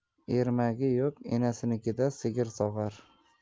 ermagi yo'q enasinikida sigir sog'ar